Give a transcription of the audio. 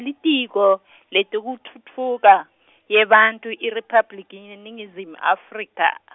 Litiko , Letekutfutfuka, YeBantfu, IRiphabliki yeNingizimu Afrika .